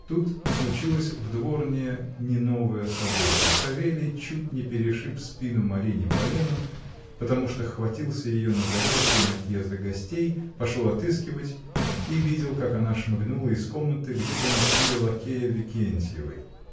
Тут случилось в дворне не новое событие: Савелий чуть не перешиб спину Марине поленом, потому что хватился ее на заре, в день отъезда гостей, пошел отыскивать и видел, как она шмыгнула из комнаты, где поместили лакея Викентьевой.